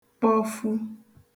kpọfu